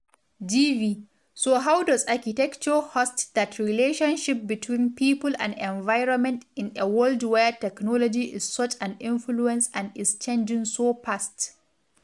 GV: So how does architecture host that relationship between people and environment in a world where technology is such an influence and is changing so fast?